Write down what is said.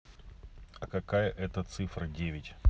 а какая это цифра девять